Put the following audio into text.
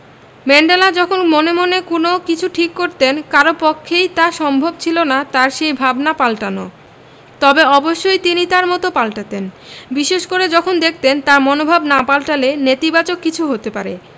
Mandela যখন মনে মনে কোনো কিছু ঠিক করতেন কারও পক্ষেই তা সম্ভব ছিল না তাঁর সেই ভাবনা পাল্টানো তবে অবশ্যই তিনি তাঁর মত পাল্টাতেন বিশেষ করে যখন দেখতেন তাঁর মনোভাব না পাল্টালে নেতিবাচক কিছু হতে পারে